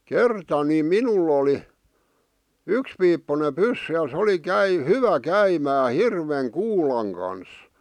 kerta niin minulla oli yksipiippuinen pyssy ja se oli - hyvä käymään hirven kuulan kanssa